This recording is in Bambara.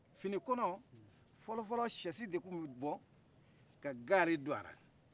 fini kɔnɔ fɔlɔfɔlɔ sɛ si de tun bɛ bɔ ka gari do ala